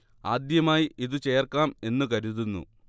ആദ്യമായി ഇത് ചേർക്കാം എന്നു കരുതുന്നു